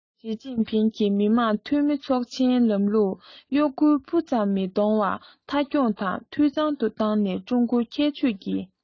ཞིས ཅིན ཕིང གིས མི དམངས འཐུས མི ཚོགས ཆེན གྱི ལམ ལུགས གཡོ འགུལ སྤུ ཙམ མི གཏོང བར མཐའ འཁྱོངས དང འཐུས ཚང དུ བཏང ནས ཀྲུང གོའི ཁྱད ཆོས ཀྱི